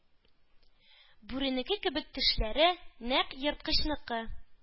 Бүренеке кебек тешләре, нәкъ ерткычныкы